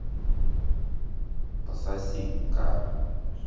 пососи ка